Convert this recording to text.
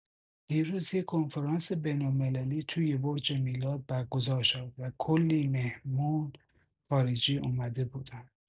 دیروز یه کنفرانس بین‌المللی توی برج میلاد برگزار شد و کلی مهمون خارجی اومده بودن.